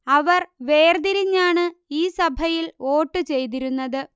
അവർ വേർ തിരിഞ്ഞാണ് ഈ സഭയിൽ വോട്ടു ചെയ്തിരുന്നത്